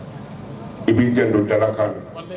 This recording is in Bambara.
I b'i kɛ don jala kan